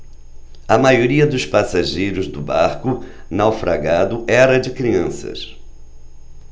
a maioria dos passageiros do barco naufragado era de crianças